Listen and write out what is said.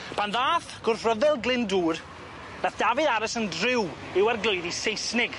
Pan ddath gwrthryfel Glyndŵr nath Dafydd aros yn driw i'w arglwyddu Seisnig.